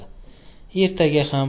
ertaga ham